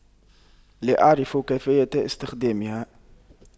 لا اعرف كيفية استخدامها